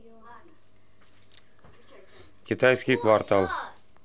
китайский квартал